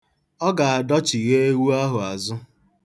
Ọ ga-adọchigha ewu ahụ azụ.